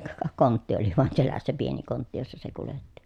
ka kontti oli vain selässä pieni kontti jossa se kuljetti